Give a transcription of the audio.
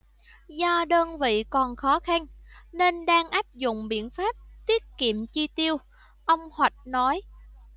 do đơn vị còn khó khăn nên đang áp dụng biện pháp tiết kiệm chi tiêu ông hoạch nói